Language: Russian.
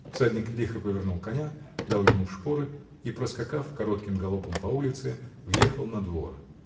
Всадник лихо повернул коня, дал ему шпоры и, проскакав коротким галопом по улице, въехал на двор.